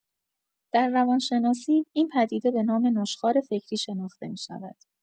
در روان‌شناسی، این پدیده به نام نشخوار فکری شناخته می‌شود.